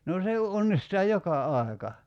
no se jo onnistaa joka aika